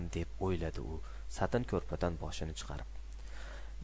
deb o'yladi u satin ko'rpadan boshini chiqarib